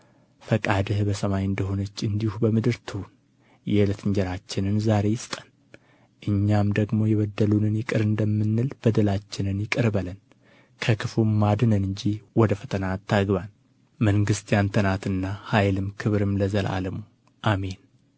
ፈቃድህ በሰማይ እንደ ሆነች እንዲሁ በምድር ትሁን የዕለት እንጀራችንን ዛሬ ስጠን እኛም ደግሞ የበደሉንን ይቅር እንደምንል በደላችንን ይቅር በለን ከክፉም አድነን እንጂ ወደ ፈተና አታግባን መንግሥት ያንተ ናትና ኃይልም ክብርም ለዘለዓለሙ አሜን